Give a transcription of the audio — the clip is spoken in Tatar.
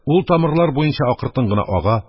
Ул тамырлар буенча акыртын гына ага.